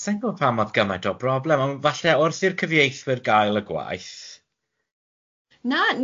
Sa i'n gwbod pam o'dd gyment o broblem ond falle wrth i'r cyfieithwyr gael y gwaith ... Na,